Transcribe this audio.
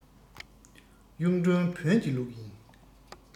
གཡུང དྲུང བོན གྱི ལུགས ཡིན